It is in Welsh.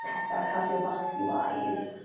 petha cardiofasgiwlaidd